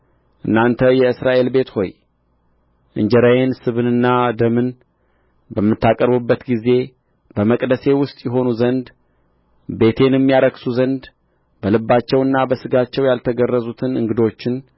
እናንተ የእስራኤል ቤት ሆይ እንጀራዬን ስብንና ደምን በምታቀርቡበት ጊዜ በመቅደሴ ውስጥ ይሆኑ ዘንድ ቤቴንም ያረክሱ ዘንድ በልባቸውና በሥጋቸው ያልተገረዙትን እንግዶችን